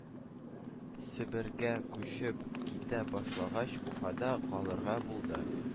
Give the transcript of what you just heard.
Себергә күчеп китә башлагач, Уфада калырга булды